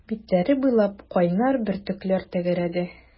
Битләре буйлап кайнар бөртекләр тәгәрәде.